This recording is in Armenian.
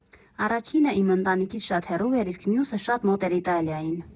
Առաջինը իմ ընտանիքից շատ հեռու էր, իսկ մյուսը՝ շատ մոտ էր Իտալիային։